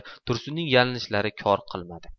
tursunning yalinishlari kor qilmadi